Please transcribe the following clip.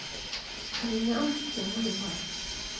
стремянки выбор